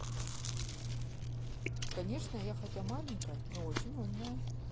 конечно я хотя маленькая но очень умная